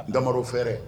Tamaro fɛɛrɛ